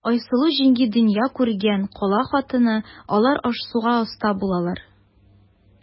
Айсылу җиңги дөнья күргән, кала хатыны, алар аш-суга оста булалар.